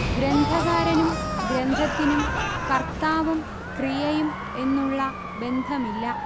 ഗ്രന്ഥകാരനും ഗ്രന്ഥത്തിനും കർത്താവും ക്രിയയും എന്നുള്ള ബന്ധമില്ല